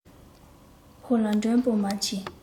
ཞོལ ལ མགྲོན པོ མ མཆིས